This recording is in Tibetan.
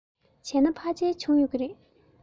བྱས ན ཕལ ཆེར བྱུང ཡོད ཀྱི རེད